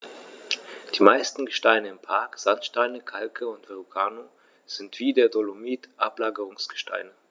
Die meisten Gesteine im Park – Sandsteine, Kalke und Verrucano – sind wie der Dolomit Ablagerungsgesteine.